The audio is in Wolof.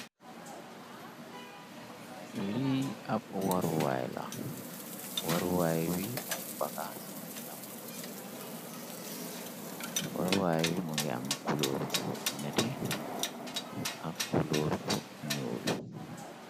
Lii ab waruwaay la waruwaay wi ay bagaas lamoy jël waruwaay wi mu ngi àm kulóor bu nete ak kulóor bu nyuul.